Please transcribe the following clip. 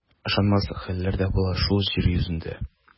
Ышанмаслык хәлләр дә була шул җир йөзендә.